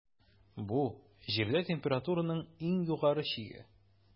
Бу - Җирдә температураның иң югары чиге.